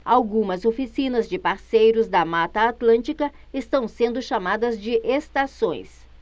algumas oficinas de parceiros da mata atlântica estão sendo chamadas de estações